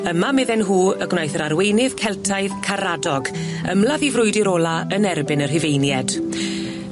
Yma medden nhw y gwnaeth yr arweinydd Celtaidd Caradog ymladd 'i frwydyr ola yn erbyn y Rhufeinied.